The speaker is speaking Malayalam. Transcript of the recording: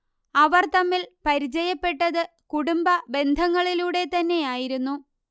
അവർ തമ്മിൽ പരിചയപ്പെട്ടത് കുടുംബ ബന്ധങ്ങളിലൂടെതന്നെയായിരുന്നു